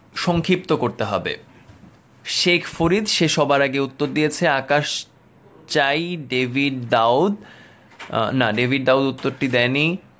সংক্ষিপ্ত করতে হবে শেখ ফরিদ সে সবার আগে উত্তর দিয়েছে আকাশ চাই ডেভিড দাউদ না ডেভিড দাউদ উত্তরটি দেয়নি